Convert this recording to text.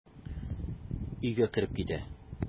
Өйгә кереп китә.